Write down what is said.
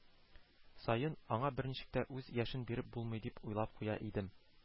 Саен, аңа берничек тә үз яшен биреп булмый дип уйлап куя идем